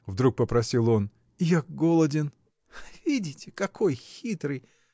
— вдруг попросил он, — я голоден. — Видите, какой хитрый!